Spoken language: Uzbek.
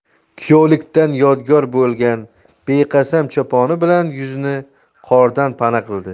kuyovlikdan yodgor bo'lgan beqasam choponi bilan yuzini qordan pana qildi